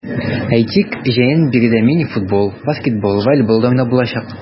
Әйтик, җәен биредә мини-футбол, баскетбол, волейбол да уйнап булачак.